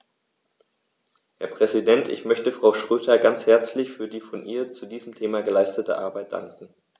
Herr Präsident, ich möchte Frau Schroedter ganz herzlich für die von ihr zu diesem Thema geleistete Arbeit danken.